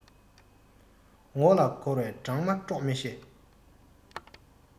ངོ ལ འཁོར བའི སྦྲང མ དཀྲོག མི ཤེས